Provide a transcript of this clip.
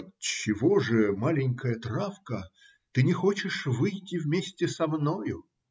– Отчего же, маленькая травка, ты не хочешь выйти вместе со мною?